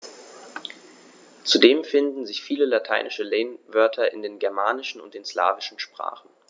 Zudem finden sich viele lateinische Lehnwörter in den germanischen und den slawischen Sprachen.